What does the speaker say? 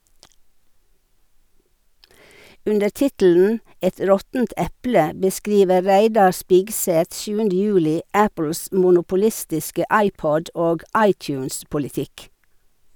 Under tittelen "Et råttent eple" beskriver Reidar Spigseth 7. juli Apples monopolistiske iPod- og iTunes-politikk.